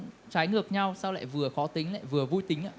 trái ngược nhau sao lại vừa khó tính lại vừa vui tính ạ